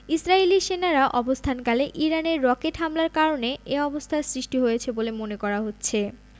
Israeli সেনারা অবস্থানকালে ইরানের রকেট হামলার কারণে এ অবস্থার সৃষ্টি হয়েছে বলে মনে করা হচ্ছে